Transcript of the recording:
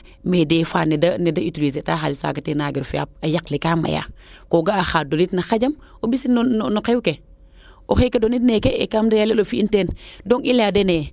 mais des fois neede utiliser ta xalis faaga ten na ngeeru fiya ayaq le kaa maya ko ga'a xaa donit na xajam o mbisin no xew o xeeke donit neeke e kaa ndeya el o fi'in teen donc i leya dene